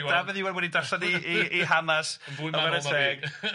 O Dafydd Iwan wedi darllen ei ei ei hanas yn fwy manwl na fi, chwara teg.